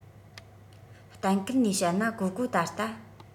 གཏན འཁེལ ནས བཤད ན ཀོའུ ཀོའུ ད ལྟ